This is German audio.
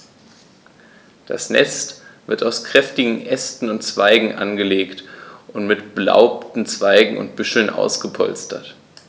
Das Nest wird aus kräftigen Ästen und Zweigen angelegt und mit belaubten Zweigen und Büscheln ausgepolstert.